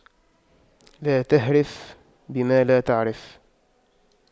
لا تهرف بما لا تعرف